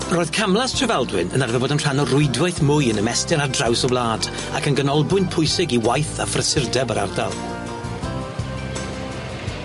Roedd camlas Trefaldwyn yn arfer bod yn rhan o rwydwaith mwy yn ymestyn ar draws y wlad ac yn ganolbwynt pwysig i waith a phrysurdeb yr ardal.